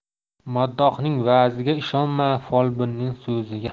maddohning va'ziga ishonma folbinning so'ziga